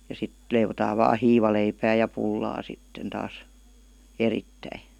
ja sitten leivotaan vain hiivaleipää ja pullaa sitten taas erittäin